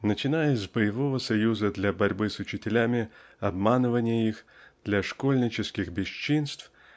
Начинаясь с боевого союза для борьбы с учителями обманывания их для школьниче-ских бесчинств